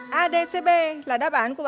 a đê xê bê là đáp án của